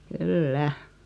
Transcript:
kyllä